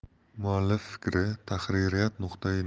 muallif fikri tahririyat nuqtai